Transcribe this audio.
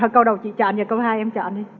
câu đầu chị chọn giờ câu hai em chọn đi